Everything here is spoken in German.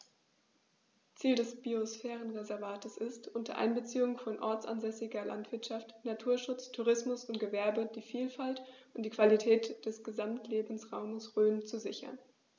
Ziel dieses Biosphärenreservates ist, unter Einbeziehung von ortsansässiger Landwirtschaft, Naturschutz, Tourismus und Gewerbe die Vielfalt und die Qualität des Gesamtlebensraumes Rhön zu sichern.